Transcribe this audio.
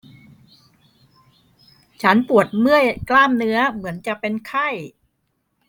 ฉันปวดเมื่อยกล้ามเนื้อเหมือนจะเป็นไข้